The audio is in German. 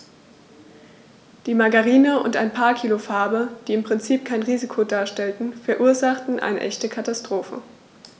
Die Margarine und ein paar Kilo Farbe, die im Prinzip kein Risiko darstellten, verursachten eine echte Katastrophe.